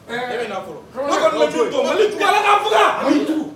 E bɛ fɔlɔ kaj to faga